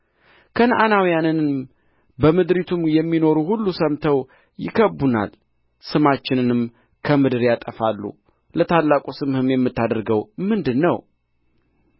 ከነዓናውያንም በምድሪቱ የሚኖሩ ሁሉ ሰምተው ይከብቡናል ስማችንንም ከምድር ያጠፋሉ ለታላቁ ስምህም የምታደርገው ምንድር ነው